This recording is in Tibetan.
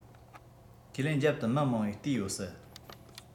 ཁས ལེན རྒྱབ ཏུ མི མང བོས བལྟས ཡོད སྲིད